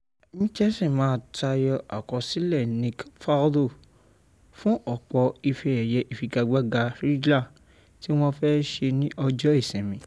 Mickelson máa tayọ àkọsílẹ̀ Nick Faldo fúnọ̀pọ̀ Ife ẹ̀yẹ ìfigagbaga Ryder tí wọ́n fẹ́ ṣe ní Ọjọ́ ìsinmi.